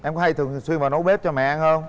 em có hay thường xuyên vào nấu bếp cho mẹ ăn không